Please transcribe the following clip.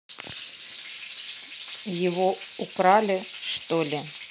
его украли что ли